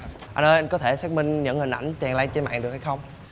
anh ơi anh có thể xác minh những hình ảnh tràn lan trên mạng được hay không